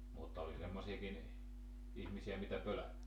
mutta oli semmoisiakin ihmisiä mitä pelättiin